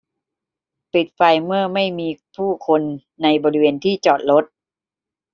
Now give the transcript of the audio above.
ปิดไฟเมื่อไม่มีผู้คนในบริเวณที่จอดรถ